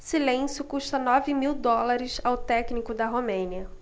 silêncio custa nove mil dólares ao técnico da romênia